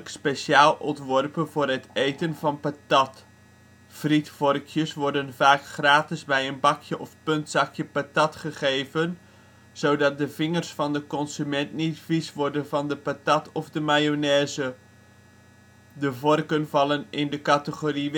speciaal ontworpen voor het eten van patat. Frietvorkjes worden vaak gratis bij een bakje of (punt) zakje patat geven zodat de vingers van de consument niet vies worden van de patat of de mayonaise. De vorken vallen in de categorie